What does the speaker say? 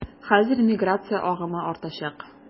Хәзер миграция агымы артачак.